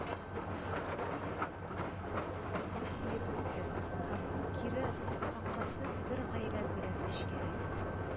Гың тиеп үтте, һәм ул кире каккысыз бер гайрәт белән эчкәрәк